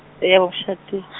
yebo ngishaki-.